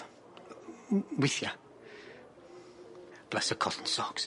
W- w- weithia' bless 'er cotton socks.